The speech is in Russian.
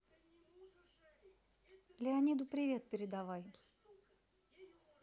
леониду привет передавай